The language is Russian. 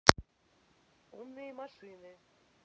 умные машины